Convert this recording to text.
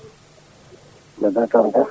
mbaɗɗa e tampere